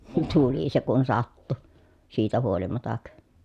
tuli se kun sattui siitä huolimatta